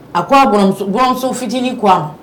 A ko a buranmuso buranmuso fitinin ko a ma